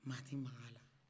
maa tɛ maga a la